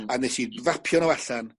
Hmm. ...a nes i fapio n'wo allan